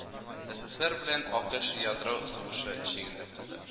СССР белән АКШ ядро сугышы чигендә калды